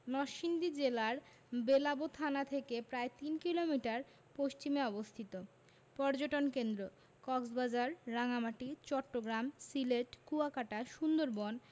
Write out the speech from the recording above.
নরসিংদী জেলার বেলাব থানা থেকে প্রায় তিন কিলোমিটার পশ্চিমে অবস্থিত পর্যটন কেন্দ্রঃ কক্সবাজার রাঙ্গামাটি চট্টগ্রাম সিলেট কুয়াকাটা সুন্দরবন